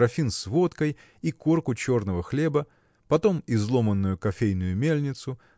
графин с водкой и корку черного хлеба потом изломанную кофейную мельницу